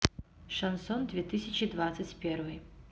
шансон две тысячи двадцать первый